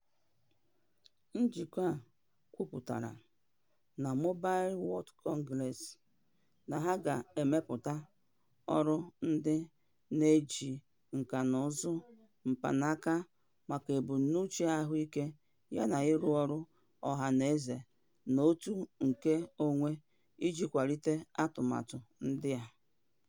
Njikọ a, kwupụtara na Mobile World Congress, na ha ga-emepụta ọrụ ndị na-eji nkànaụzụ mkpanaka maka ebumnuche ahụike yana ịrụ ọrụ ọhanaeze na òtù nkeonwe iji kwalite atụmatụ ndị a.